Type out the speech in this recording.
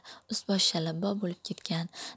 ust boshi shalabbo bo'lib ketgan